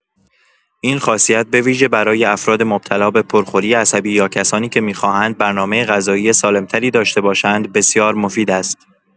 این خاصیت به‌ویژه برای افراد مبتلا به پرخوری عصبی یا کسانی که می‌خواهند برنامه غذایی سالم‌تری داشته باشند، بسیار مفید است.